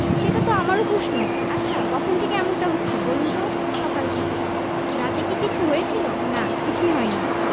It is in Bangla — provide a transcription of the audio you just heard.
সেটা তো আমারও প্রশ্ন আচ্ছা কখন থেকে এমনটা হচ্ছে বলুন তো সকাল থেকে রাতে কি কিছু হয়েছিল না কিছুই হয়নি